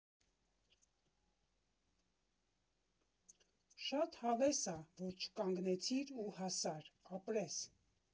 Շատ հավես ա, որ չկանգնեցիր ու հասար, ապրես։